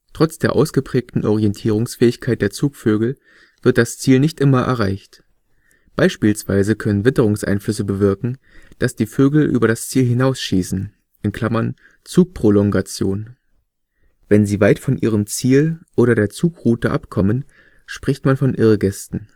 Trotz der ausgeprägten Orientierungsfähigkeit der Zugvögel wird das Ziel nicht immer erreicht. Beispielsweise können Witterungseinflüsse bewirken, dass die Vögel über das Ziel hinausschießen (Zugprolongation). Wenn sie weit von ihrem Ziel oder der Zugroute abkommen, spricht man von Irrgästen